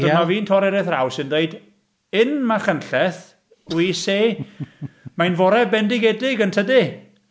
Dyma fi'n torri ar ei thraws hi a'n dweud; "In Machynlleth we say mae'n fore bendigedig, yn tydi."